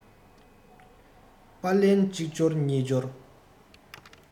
པར ལན གཅིག འབྱོར གཉིས འབྱོར